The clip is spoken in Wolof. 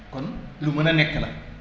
kon lu mun a nekk la